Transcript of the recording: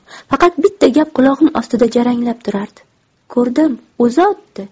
faqat bitta gap qulog'im ostida jaranglab turardi ko'rdim o'zi otdi